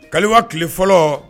Kaliwa tile fɔlɔ